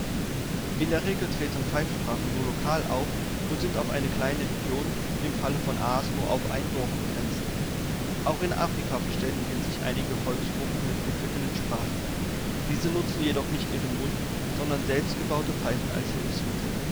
In der Regel treten Pfeifsprachen nur lokal auf und sind auf eine kleine Region, im Falle von Aas nur auf ein Dorf begrenzt. Auch in Afrika verständigen sich einige Volksgruppen mit gepfiffenen Sprachen. Diese nutzen jedoch nicht ihren Mund, sondern selbstgebaute Pfeifen als Hilfsmittel